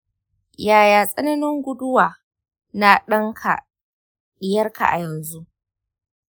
yaya tsananin gudawa na ɗanka/ɗiyarka a yanzu?